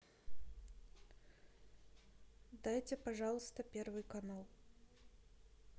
дайте пожалуйста первый канал